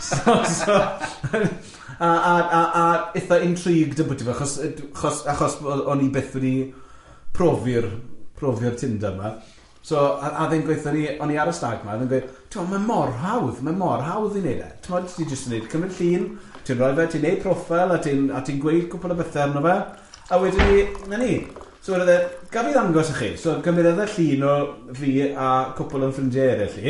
So, so, a- a- a- a- eitha intrigued ambyty fe, achos achos achos o- o'n i byth wedi profi'r, profi'r Tinder ma, so a- a- fe'n gweud, o'n i o'n i ar y stag yma, o'n i'n gweud, t'mod, mae mor hawdd, mae mor hawdd i wneud e, t'mod, ti jyst yn wneud cymryd llun, ti'n roi fe, ti'n wneud proffil, a ti'n a ti'n gweud cwpl o bethe arno fe, a wedyn ni, nawn ni, so wedodd e, gad fi ddangos i chi, so cymerodd y llun o fi a cwpl o fy ffrindiau eraill i,